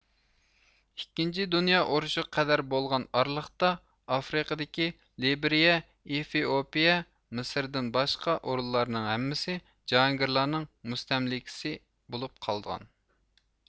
ئىككىنچى دۇنيا ئۇرۇشىغا قەدەر بولغان ئارىلىقتا ئافرىقىدىكى لېبرىيە ئېفىئوپىيە مىسىردىن باشقا ئورۇنلارنىڭ ھەممىسى جاھانگىرلارنىڭ مۇستەملىكىسى بولۇپ قالغان